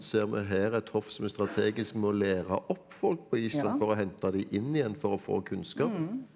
ser vi her et hoff som er strategisk med å lære opp folk på Island for å hente de inn igjen for å få kunnskap?